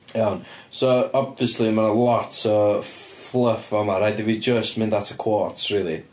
Iawn, so obviously ma' 'na lot o fluff fa'ma. Raid i fi jyst mynd at y quotes rili.